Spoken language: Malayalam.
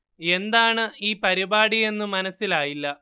എന്താണ് ഈ പരിപാടി എന്നു മനസ്സിലായില്ല